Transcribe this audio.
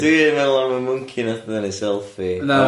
Dwi'n meddwl am y mwnci nath ddynnu selfie. Na.